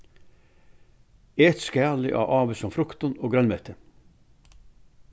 et skalið á ávísum fruktum og grønmeti